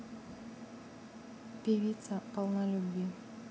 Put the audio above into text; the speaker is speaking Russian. певица полна любви